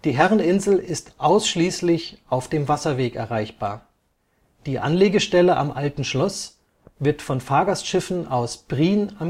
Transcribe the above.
Herreninsel ist ausschließlich auf dem Wasserweg erreichbar, die Anlegestelle am Alten Schloss wird von Fahrgastschiffen aus Prien